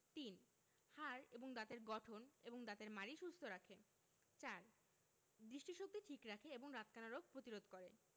৩. হাড় এবং দাঁতের গঠন এবং দাঁতের মাড়ি সুস্থ রাখে ৪. দৃষ্টিশক্তি ঠিক রাখে এবং রাতকানা রোগ প্রতিরোধ করে